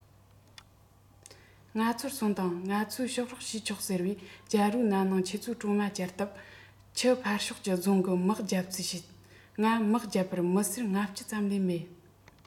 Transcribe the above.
ང ཚོར གསུངས དང ང ཚོས ཕྱག རོགས ཞུས ཆོག ཟེར བར རྒྱལ པོས ན ནིང ཁྱེད ཚོས གྲོ མ བསྐྱལ སྟབས ཆུ ཕར ཕྱོགས ཀྱི རྫོང གིས དམག བརྒྱབ རྩིས བྱེད ང དམག བརྒྱབ པར མི སེར ལྔ བཅུ ཙམ ལས མེད